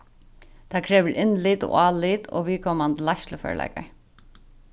tað krevur innlit og álit og viðkomandi leiðsluførleikar